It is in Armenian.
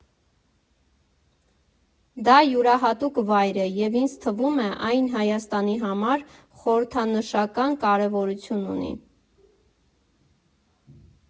Դա յուրահատուկ վայր է և ինձ թվում է՝ այն Հայաստանի համար խորհրդանշական կարևորություն ունի։